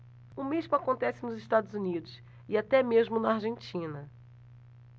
o mesmo acontece nos estados unidos e até mesmo na argentina